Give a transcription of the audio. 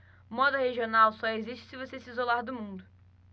moda regional só existe se você se isolar do mundo